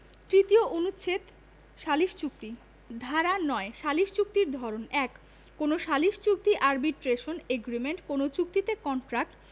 তৃতীয় অনুচ্ছেদ সালিস চুক্তি ধানা ৯ সালিস চুক্তির ধরণঃ ১ কোন সালিস চুক্তি আরবিট্রেশন এগ্রিমেন্ট কোন চুক্তিতে কন্ট্রাক্ট